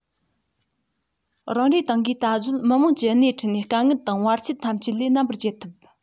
རང རེའི ཏང གིས ད གཟོད མི དམངས ཀྱི སྣེ ཁྲིད ནས དཀའ ངལ དང བར ཆད ཐམས ཅད ལས རྣམ པར རྒྱལ ཐུབ